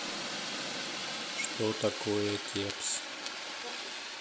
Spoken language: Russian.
что такое кепс